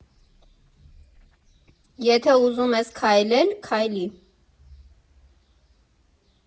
Եթե ուզում ես քայլել, քայլի։